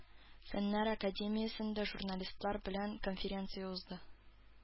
Фәннәр академиясендә журналистлар белән конференция узды.